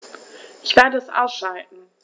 Ich werde es ausschalten